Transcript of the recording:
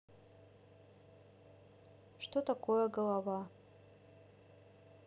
что такое голова